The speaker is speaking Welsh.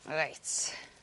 Reit.